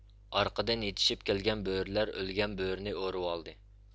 ئارقىدىن يېتىشىپ كەلگەن بۆرىلەر ئۆلگەن بۆرىنى ئورىۋالدى